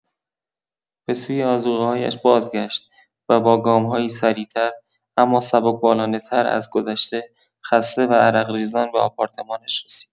به‌سوی آذوقه‌هایش بازگشت و با گام‌هایی سریع‌تر، اما سبکبالانه‌تر از گذشته، خسته و عرق‌ریزان به آپارتمانش رسید.